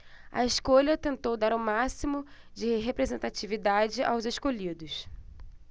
a escolha tentou dar o máximo de representatividade aos escolhidos